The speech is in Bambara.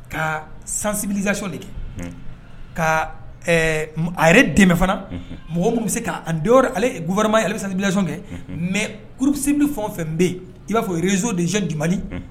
Ka sensibilisation de kɛ ka ɛɛ a yɛrɛ dɛmɛ fana mɔgɔ min bɛ se ka en déhord gouvernement ale bɛ sensibilsation kɛ mais groupe cible fɛn o fɛn bɛ yen, i b'a fɔ réseau des jeunes du Mali